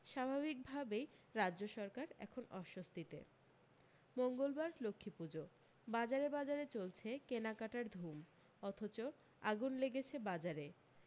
স্বাভাবিক ভাবেই রাজ্য সরকার এখন অস্বস্তিতে মঙ্গলবার লক্ষ্মীপুজো বাজারে বাজারে চলছে কেনাকাটার ধুম অথচ আগুন লেগেছে বাজারে